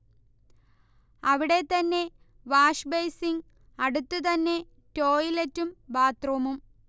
അവിടെ തന്നെ വാഷ്ബെയ്സിങ്, അടുത്ത് തന്നെ ടോയ്ലറ്റും ബാത്ത്റൂമും